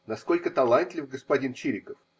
Насколько талантлив господин Чириков.